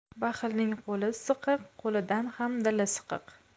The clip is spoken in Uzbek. baxilning qo'li siqiq qo'lidan ham dili siqiq